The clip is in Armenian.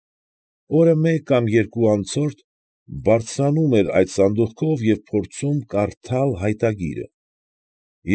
Օրը մեկ կամ երկու անցորդ բարձրանում էր այդ սանդղքով և փորձում կարդալ հայտագիրը։